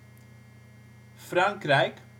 Frankrijk